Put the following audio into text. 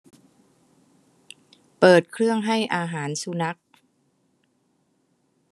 เปิดเครื่องให้อาหารสุนัข